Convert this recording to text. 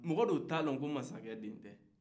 mɔgɔ dun ta dɔn ko mansacɛ tɛ